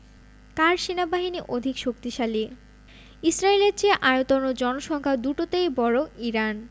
কার সেনাবাহিনী অধিক শক্তিশালী ইসরায়েলের চেয়ে আয়তন ও জনসংখ্যা দুটোতেই বড় ইরান